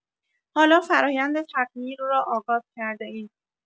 حالا فرایند تغییر را آغاز کرده‌اید.